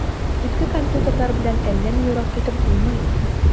Иске компьютерлар белән әллә ни ерак китеп булмый.